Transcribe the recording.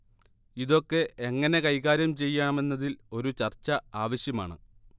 ഇതൊക്കെ എങ്ങനെ കൈകാര്യം ചെയ്യാം എന്നതിൽ ഒരു ചർച്ച ആവശ്യമാണ്